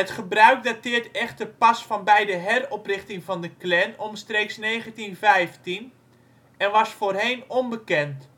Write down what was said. gebruik dateert echter pas van bij de heroprichting van de Klan omstreeks 1915 en was voorheen onbekend